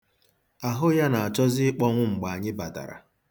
Ahụ ya na-achọzị ịkpọnwụ mgbe anyị batara.